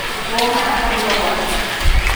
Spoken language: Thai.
โทรหาตำรวจ